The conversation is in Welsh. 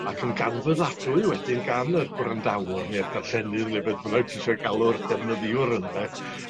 ac yn ganfyddadwy wedyn gan yr gwrandawr ne'r darllenydd ne' beth bynnag tisio galw'r defnyddiwr ynde